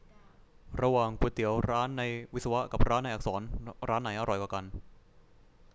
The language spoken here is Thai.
ระหว่างก๋วยเตี๋ยวเรือร้านในวิศวะกับร้านในอักษรร้านไหนอร่อยกว่ากัน